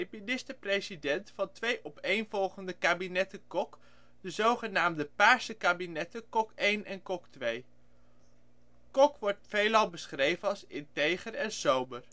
minister-president van twee opeenvolgende kabinetten-Kok (de zogenaamde ' Paarse ' kabinetten, Kok I en Kok II). Kok wordt veelal beschreven als integer en sober